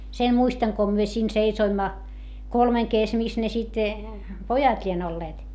sen muistan kun me siinä seisoimme kolmen - missä ne sitten pojat lie olleet